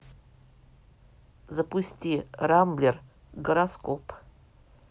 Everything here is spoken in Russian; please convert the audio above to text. запусти рамблер гороскоп